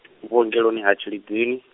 vhuongeloni ha Tshilidzini.